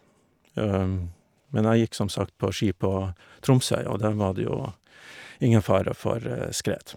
Men jeg gikk som sagt på ski på Tromsøya, og der var det jo ingen fare for skred.